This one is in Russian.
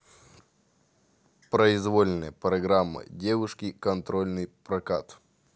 произвольная программа девушки контрольный прокат